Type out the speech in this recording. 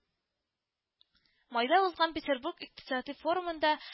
Майда узган Петербург икътисади форумында